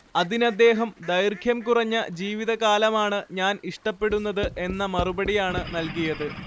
അതിനദ്ദേഹം ദൈർഘ്യം കുറഞ്ഞ ജീവിതകാലമാണ്‌ ഞാൻ ഇഷ്ടപ്പെടുന്നത് എന്ന മറുപടിയാണ് നൽകിയത്